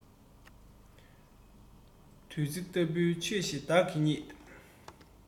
བདུད རྩི ལྟ བུའི ཆོས ཤིག བདག གིས རྙེད